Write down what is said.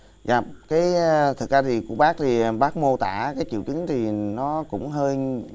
dạ cái thực ra thì của bác thì bác mô tả cái triệu chứng thì nó cũng hơi giống